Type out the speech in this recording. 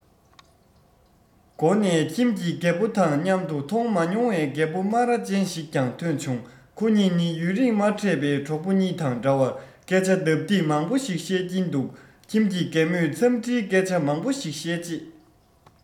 སྒོ ནས ཁྱིམ གྱི རྒད པོ དང མཉམ དུ མཐོང མ མྱོང བའི རྒད པོ སྨ ར ཅན ཞིག ཀྱང ཐོན བྱུང ཁོ གཉིས ནི ཡུན རིང མ འཕྲད པའི གྲོགས པོ གཉིས དང འདྲ བར སྐད ཆ ལྡབ ལྡིབ མང པོ ཞིག བཤད ཀྱིན འདུག ཁྱིམ གྱི རྒན མོས འཚམས འདྲིའི སྐད ཆ མང པོ ཞིག བཤད རྗེས